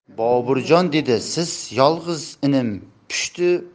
boburjon dedi siz yolg'iz inim pushti